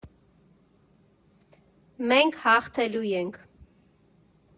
«Մենք հաղթելու ենք։